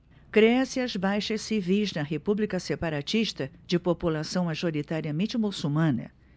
crescem as baixas civis na república separatista de população majoritariamente muçulmana